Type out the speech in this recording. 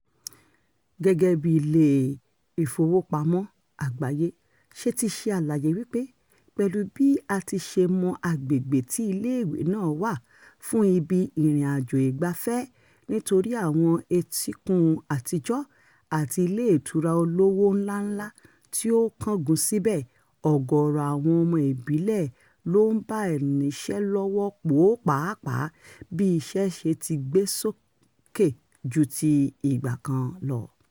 Gẹ́gẹ́ bí Ilé Ìfowópamọ́ Àgbáyé ṣe ti ṣàlàyé wípé, pẹ̀lú bí a ti ṣe mọ agbègbè tí iléèwé náà wà fún ibi ìrìn-àjò ìgbafẹ́ nítorí àwọn etíkun àtijọ́ àti ilé ìtura olówó ńláńlá tí ó kángun síbẹ̀, ọ̀gọ̀rọ̀ àwọn ọmọ ìbílẹ̀ ló ń bá àìníṣẹ́ lọ́wọ́ pò ó pàápàá bí ìṣẹ́ ṣe ti gbé fúkẹ́ ju ti ìgbà kan lọ.